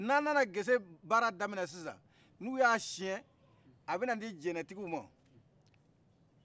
n'an nana gese baara daminɛ n'u ya siyen a bɛna di jɛnɛ tigiw ma